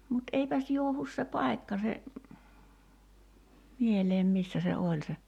mutta eipäs johdu se paikka se mieleen missä se oli se